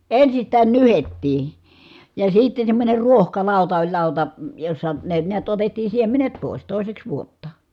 ensistään nyhdettiin ja sitten semmoinen ruohkalauta oli lauta jossa ne näet otettiin siemenet pois toiseksi vuotta